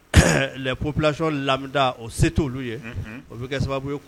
Psi o bɛ kɛ sababu